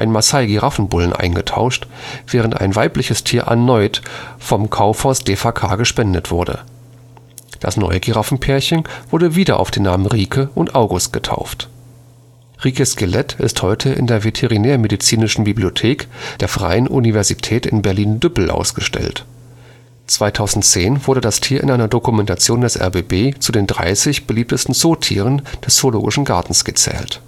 Massai-Giraffenbullen eingetauscht, während ein weibliches Tier erneut von Kaufhaus DeFaKa gespendet wurde. Das neue Giraffenpärchen wurde wieder auf die Namen „ Rieke “und „ August “getauft. Riekes Skelett ist heute in der Veterinärmedizinischen Bibliothek der Freien Universität in Berlin-Düppel ausgestellt. 2010 wurde das Tier in einer Dokumentation des rbb zu den 30 beliebtesten Zootieren des Zoologischen Gartens gezählt